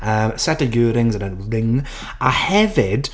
Yy, set of earrings and a ring. A hefyd...